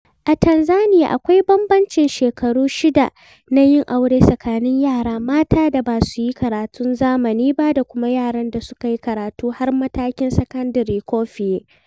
A Tanzaniya akwai bambamcin shekaru 6 na yin aure a tsakanin yara mata da ba su yi karatun zamani ba da kuma yaran da su ka yi karatu har matakin sakandire ko fiye.